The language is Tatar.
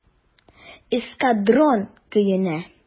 "эскадрон" көенә.